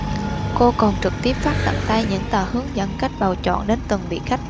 cô còn trực tiếp phát tận tay những tờ hướng dẫn cách bầu chọn đến từng vị khách